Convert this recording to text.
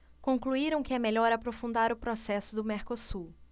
concluíram que é melhor aprofundar o processo do mercosul